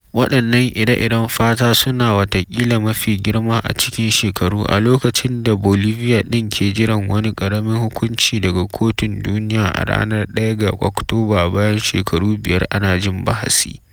Waɗannan ire-iren fata suna watakila mafi girma a cikin shekaru, a lokacin da Bolivia din ke jiran wani ƙaramin hukunci daga kotun duniya a ranar 1 ga Oktoba bayan shekaru biyar ana jin bahasi.